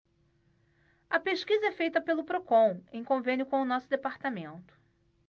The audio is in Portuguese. a pesquisa é feita pelo procon em convênio com o diese